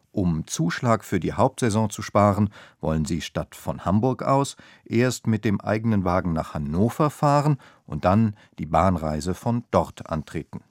Um den Zuschlag für die Hauptsaison zu sparen, wollen sie statt von Hamburg aus erst mit dem eigenen Wagen nach Hannover fahren und dann die Bahnreise von dort antreten